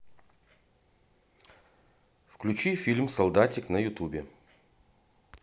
включи фильм солдатик на ютубе